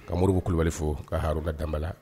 Ka moriurubu kulibali fo ka har ka danbala